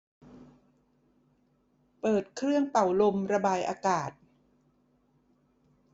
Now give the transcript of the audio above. เปิดเครื่องเป่าลมระบายอากาศ